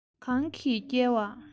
གང གིས བསྐྱལ བ